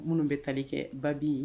Minnu bɛ tali kɛ ba bin